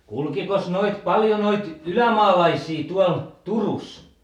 kulkikos noita paljon noita ylämaalaisia tuolla Turussa